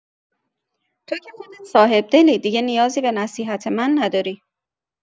تو که خودت صاحب‌دلی، دیگه نیازی به نصیحت من نداری!